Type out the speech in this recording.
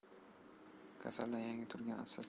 kasaldan yangi turgan sil